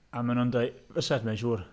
A mae nhw'n dweud, fyset mae'n siŵr.